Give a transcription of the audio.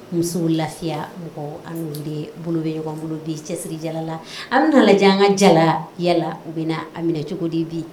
Musow lafiya bɛ bolo bɛ ɲɔgɔn bolo bi cɛsiriri jalala an bɛna lajɛ an ka jala yalala u bɛna na a minɛ cogo di bi